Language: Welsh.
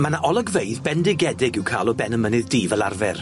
Ma' 'na olygfeydd bendigedig i'w ca'l o ben y mynydd du fel arfer.